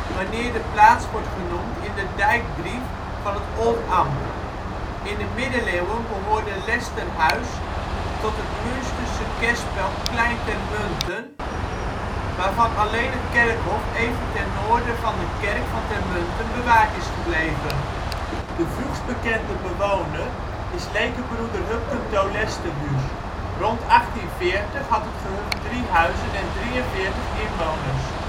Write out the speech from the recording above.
wanneer de plaats wordt genoemd in de Dijkbrief van het Oldambt. In de middeleeuwen behoorde Lesterhuis tot het Münsterse kerspel Klein-Termunten (Minor Meterna), waarvan alleen het kerkhof even ten noorden van de kerk van Termunten bewaard is gebleven. De vroegst bekende bewoner is (leke) broeder Hupken to Lesterhues. Rond 1840 had het gehucht drie huizen en 43 inwoners